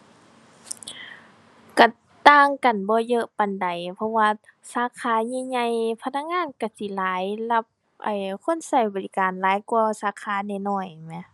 ก็ต่างกันบ่เยอะปานใด เพราะว่าสาขาใหญ่ใหญ่พนักงานก็สิหลาย รับ ไอ้ คนก็บริการหลายกว่าสาขาน้อยน้อยน่ะแหม